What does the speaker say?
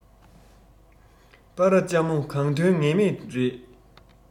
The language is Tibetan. སྤ ར ལྕ མོ གང ཐོན ངེས མེད རེད